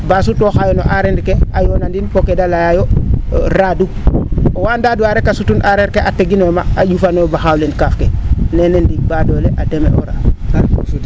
baa sutooxaayo no aarnda ke a yonanin fo kee da layaayo raadu oway ndaandwaayo rek a sutu aareer ke a teginoyo maaga a ?ufanaayo baxaaw len kaaf ke nene ndiig baadoole deme'oora